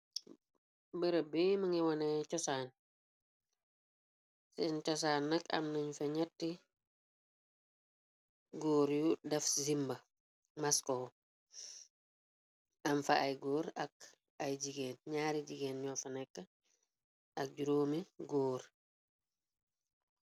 Bërëb bi mu ngi wane chosaanseen cosaan nakk am nañu fa ñetti góor yu def zimba mascoret am fa ay góor ak ay jigéen ñaari jigéen ñoo fa nekk ak juróomi góor.